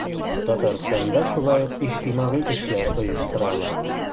Татарстанда шулай ук иҗтимагый эшләр оештыралар.